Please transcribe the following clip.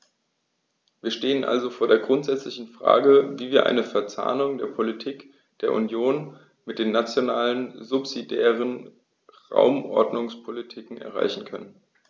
Wir stehen also vor der grundsätzlichen Frage, wie wir eine Verzahnung der Politik der Union mit den nationalen subsidiären Raumordnungspolitiken erreichen können.